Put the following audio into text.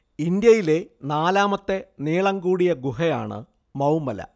ഇന്ത്യയിലെ നാലാമത്തെ നീളം കൂടിയ ഗുഹയാണ് മൗമല